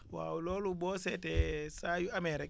waaw loolu boo seetee saa yu amee rek